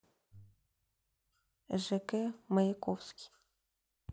жк маяковский